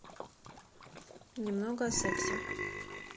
немного о сексе